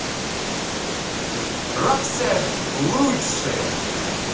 roxette лучшее